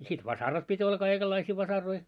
ja sitten vasarat piti olla kaikenlaisia vasaroita